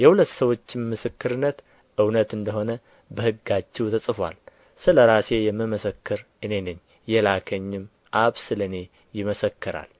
የሁለት ሰዎችም ምስክርነት እውነት እንደ ሆነ በሕጋችሁ ተጽፎአል ስለ ራሴ የምመሰክር እኔ ነኝ የላከኝም አብ ስለ እኔ ይመሰክራል